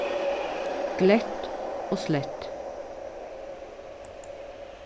glett og slett